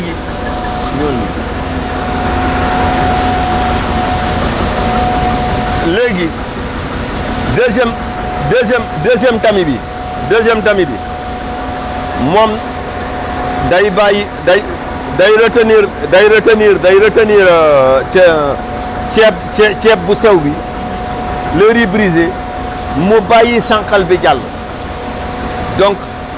léegi ñëwal nii léegi deuxième deuxième deuxième tamis bi deuxième tamis bi moom day bàyyi day day retenir day retenir day retenir ceeb ceeb ceeb bu sew bi le riz brisé mu bàyyi sànqal bi jàll